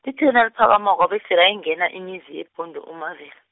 lithe naliphakamako, wabe seka ayingena imizi yeBhundu, uMavela.